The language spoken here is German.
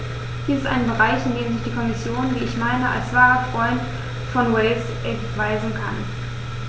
Dies ist ein Bereich, in dem sich die Kommission, wie ich meine, als wahrer Freund von Wales erweisen kann.